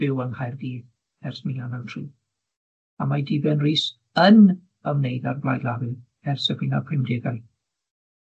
byw yng Nghaerdydd ers mil naw naw tri, a mae Dee Ben Rees yn ymwneud â'r Blaid Lafur ers y mil naw pumdegau.